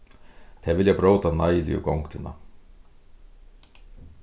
tey vilja bróta neiligu gongdina